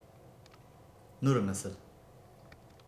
ནོར མི སྲིད